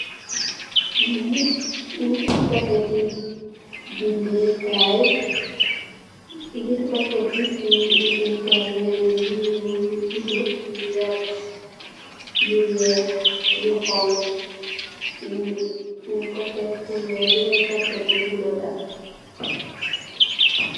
Lii ñatti paketyi bindeh Kai si birr paket bi bindeh Kai ñungi ameh yu ñul yu bulo yu wert yu wekh yu xonxu ñunko tekfu wekh benen paket bi bulo la.